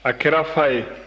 a kɛra fa ye